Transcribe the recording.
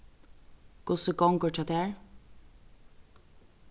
hvussu gongur hjá tær